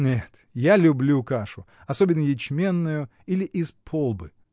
— Нет, я люблю кашу, особенно ячменную или из полбы!